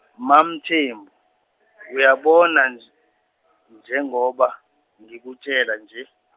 MaMthembu , uyabona nj- njengoba, ngikutshela nje.